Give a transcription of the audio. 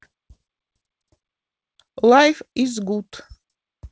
лайф из гуд